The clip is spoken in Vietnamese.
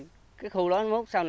cái khu đó mốt nó